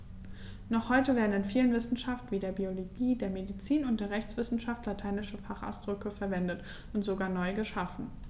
Noch heute werden in vielen Wissenschaften wie der Biologie, der Medizin und der Rechtswissenschaft lateinische Fachausdrücke verwendet und sogar neu geschaffen.